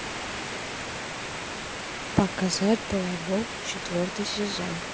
показать балабол четвертый сезон